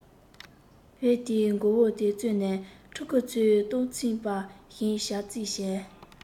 བེའུ དེའི མགོ བོ དེ བཙོས ནས ཕྲུ གུ ཚོའི ལྟོགས ཚིམས པ ཞིག བྱ རྩིས བྱས